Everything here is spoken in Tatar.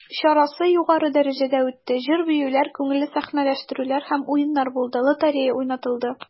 Чарасы югары дәрәҗәдә үтте, җыр-биюләр, күңелле сәхнәләштерүләр һәм уеннар булды, лотерея уйнатылды.